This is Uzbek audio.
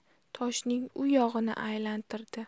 toshning u yog'ini aylantirdi